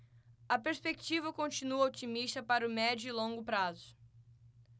a perspectiva continua otimista para o médio e longo prazos